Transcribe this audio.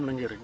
am na njëriñ